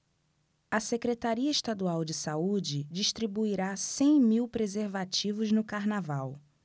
a secretaria estadual de saúde distribuirá cem mil preservativos no carnaval